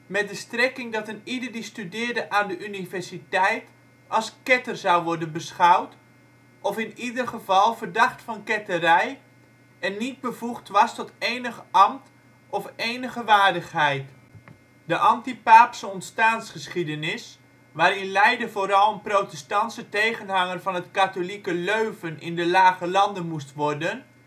met de strekking dat een ieder die studeerde aan de universiteit als ketter zou worden beschouwd, of in ieder geval verdacht van ketterij, en niet bevoegd was tot enig ambt of enige waardigheid. De " Anti-Paepsche " ontstaansgeschiedenis, waarin Leiden vooral een protestantse tegenhanger van het katholieke Leuven in de Lage Landen moest worden